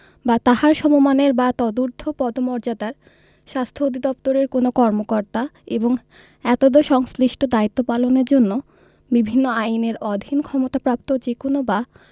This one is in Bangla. বা তাঁহার সমমানের বা তদূর্ধ্ব পদমর্যাদার স্বাস্থ্য অধিদপ্তরের কোন কর্মকর্তা এবং এতদ্ সংশ্লিষ্ট দায়িত্ব পালনের জন্য বিভিন্ন আইনের অধীন ক্ষমতাপ্রাপ্ত যে কোন বা